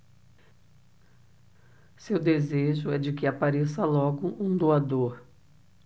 seu desejo é de que apareça logo um doador